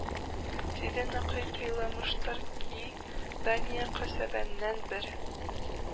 Сидән нәкыль кыйлынмыштыр ки: «дания касабәсеннән бер